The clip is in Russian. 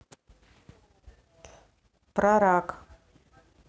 про рак